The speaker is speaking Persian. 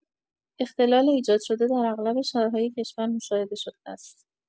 اختلال ایجادشده در اغلب شهرهای کشور مشاهده‌شده است.